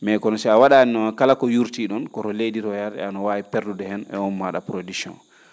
mais kono so a wa?aani noon kala ko yuurtii ?oon koro leydi ro yahara e ano waawi perdude hen e on maa?a production